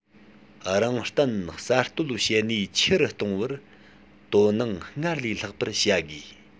རང བརྟེན གསར གཏོད བྱེད ནུས ཆེ རུ གཏོང བར དོ སྣང སྔར ལས ལྷག པར བྱ དགོས